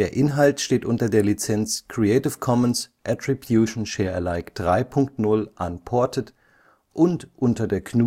Inhalt steht unter der Lizenz Creative Commons Attribution Share Alike 3 Punkt 0 Unported und unter der GNU